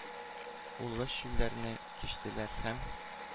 Олы чүлләрне кичтеләр һәм